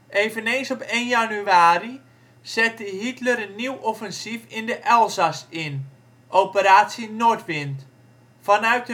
Eveneens op 1 januari zette Hitler een nieuw offensief in de Elzas in, Operatie Nordwind. Vanuit